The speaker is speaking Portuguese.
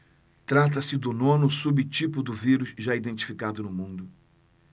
trata-se do nono subtipo do vírus já identificado no mundo